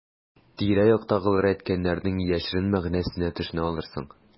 Тирә-яктагылар әйткәннәрнең яшерен мәгънәсенә төшенә алырсың.